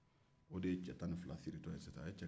o de ye cɛ tan ni fila siritɔ ye sisan